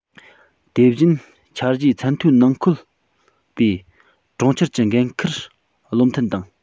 དེ བཞིན འཆར གཞིའི མཚན ཐོའི ནང འཁོད པའི གྲོང ཁྱེར གྱི འགན ཁུར བློ མཐུན དང